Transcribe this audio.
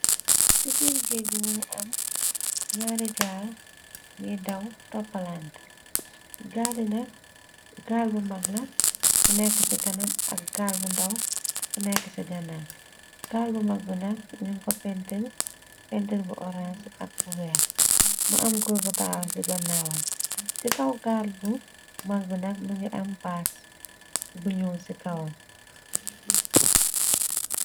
Ci biir géeg mugi am ñaari gaal yi daw toppalante gaal bu mag la bu nekk ci kanam ak gaal bu ndaw bu nekk ci gannaw gaal bu maag bi nag ñuñ ko pintir pentir bu orange ak bu weex mo am goor bu taxaw ci gannawam ci kaw gaal bo mag bi nag mongi am baas bu ñuul ci kawam.